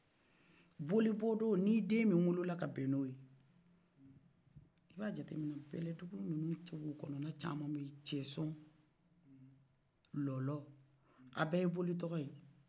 boli bɔ don nin den min wolona ka ben n'o do ye i b'a jate mina bɛlɛdugu ninu wokɔnna cama bɛyi cɛson lɔlɔ a bɛ ye boli tɔgɔye